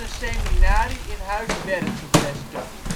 seminarie in Huis Bergh gevestigd